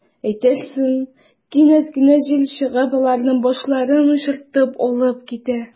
Әйтерсең, кинәт кенә җил чыгып, аларның “башларын” очыртып алып китә.